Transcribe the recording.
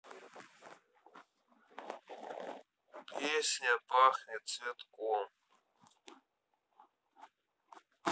песня пахнет цветком